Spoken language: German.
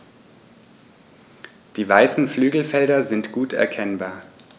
Die weißen Flügelfelder sind gut erkennbar.